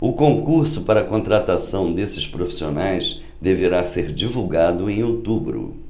o concurso para contratação desses profissionais deverá ser divulgado em outubro